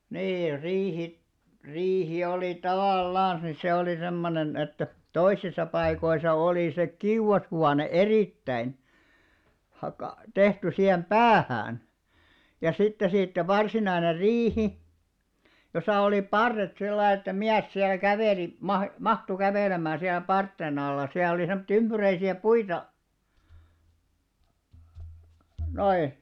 niin riihi riihi oli tavallansa niin se oli semmoinen että toisissa paikoissa oli se kiuashuone erittäin - tehty siihen päähän ja sitten siitä varsinainen riihi jossa oli parret sillä lailla että mies siellä käveli - mahtui kävelemään siellä parsien alla siellä oli semmoisia ympyräisiä puita noin